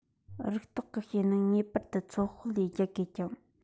རིགས རྟོག གི ཤེད ནི ངེས པར དུ ཚོད དཔག ལས རྒྱལ དགོས ཀྱང